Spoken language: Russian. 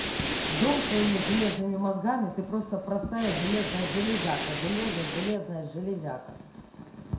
дом своими железными мозгами ты просто простая железная железяка железной железная железяка